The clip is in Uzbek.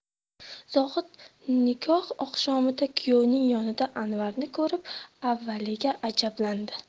zohid nikoh oqshomida kuyovning yonida anvarni ko'rib avvaliga ajablandi